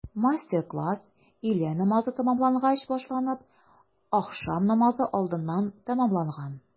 Мастер-класс өйлә намазы тәмамлангач башланып, ахшам намазы алдыннан тәмамланган.